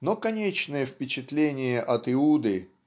но конечное впечатление от Иуды